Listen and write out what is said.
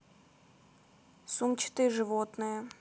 сумчатые животные